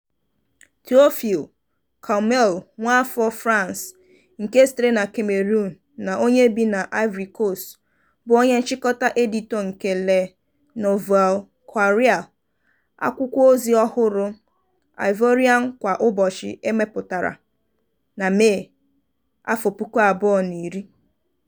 Théophile Kouamouo, nwaafọ France nke sitere na Cameroon na onye bi n'Ivory Coast, bụ onye Nchịkọta Editọ nke Le Nouveau Courrier, akwụkwọozi ọhụrụ Ivorian kwa ụbọchị e wepụtara na Mee 2010.